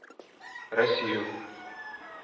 россию